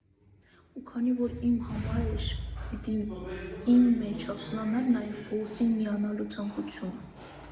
Ու քանի որ իմ համար էր, պիտի իմ մեջ հասունանար նաև փողոցին միանալու ցանկությունը։